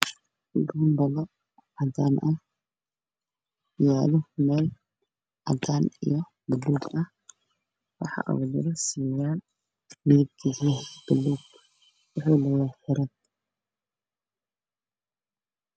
Waa surwaal midabkiisu waa bulug Dhulka waa cadaan